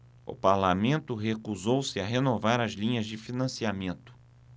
o parlamento recusou-se a renovar as linhas de financiamento